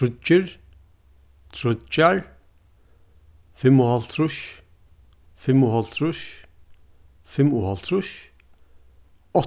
tríggir tríggjar fimmoghálvtrýss fimmoghálvtrýss fimmoghálvtrýss